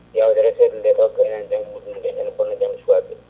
yawde resade nde * ene onna jangde sukaɓe nde